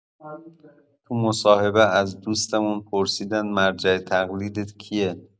تو مصاحبه از دوستمون پرسیدن مرجع تقلیدت کیه؟